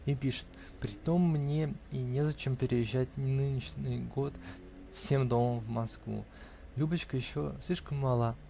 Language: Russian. и пишет: "Притом, мне и незачем переезжать нынешний год всем домом в Москву. Любочка еще слишком мала